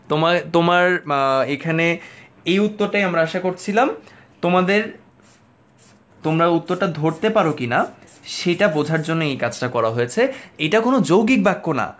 তোমার এখানে এই উত্তরটা আমরা আশা করছিলাম তোমাদের তোমরা উত্তরটা ধরতে পারো কিনা সেটা বোঝার জন্য এই কাজটা করা হয়েছে এটা কোন যৌগিক বাক্য না